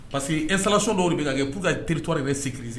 Parce que installation dɔw de bɛ ka kɛ pour que ka territoire yɛrɛ sécuruser